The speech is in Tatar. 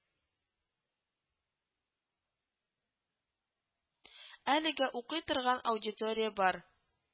Әлегә укый торган аудиория бар